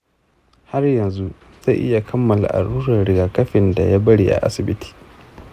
har yanzu zai iya kammala alluran rigakafin da ya bari a asibiti.